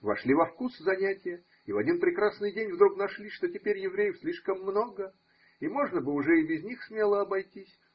вошли во вкус занятия – и в один прекрасный день вдруг нашли, что теперь евреев слишком много, и можно бы уже и без них смело обойтись.